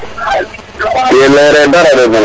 tige lera dara de